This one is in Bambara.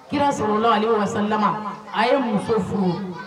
Kira salalahu alehi wa salama , a ye muso furu